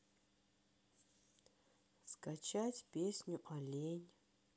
включи песню олень